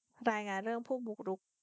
รายงานเรื่องผู้บุกรุก